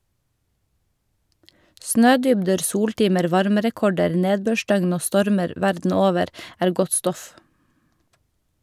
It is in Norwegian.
Snødybder, soltimer, varmerekorder, nedbørsdøgn og stormer verden over er godt stoff.